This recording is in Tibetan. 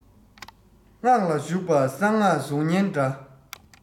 སྔགས ལ ཞུགས པ གསང སྔགས གཟུགས བརྙན འདྲ